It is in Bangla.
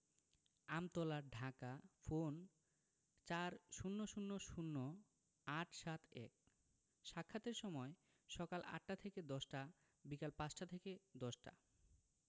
আমতলা ধাকা ফোনঃ ৪০০০৮৭১ সাক্ষাতের সময়ঃসকাল ৮টা থেকে ১০টা বিকাল ৫টা থেকে ১০টা